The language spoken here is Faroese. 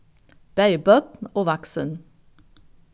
bæði børn og vaksin